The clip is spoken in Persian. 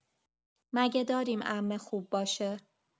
مگه داریم عمه خوب باشه؟